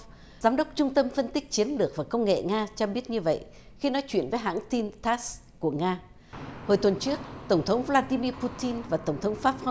giám đốc trung tâm phân tích chiến lược và công nghệ nga cho biết như vậy khi nói chuyện với hãng tin tát sờ của nga hồi tuần trước tổng thống vơ la ti bi pu tin và tổng thống pháp